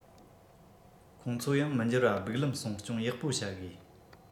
ཁོང ཚོ ཡང མི འགྱུར བ སྦུག ལམ སྲུང སྐྱོང ཡག པོ བྱ དགོས